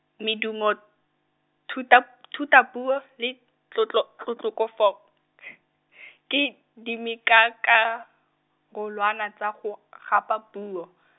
medumo, thuta- thutapuo le tlotlo-, tlotlofoko , ke dimikakarolwana tsa go, gapa puo.